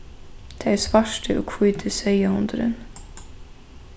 tað er svarti og hvíti seyðahundurin